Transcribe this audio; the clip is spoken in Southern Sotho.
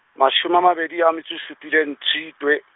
mashome a mabedi a metso e supileng, Tshitwe.